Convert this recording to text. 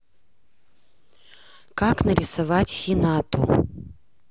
как нарисовать хинату